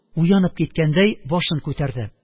Уянып киткәндәй, башын күтәрде.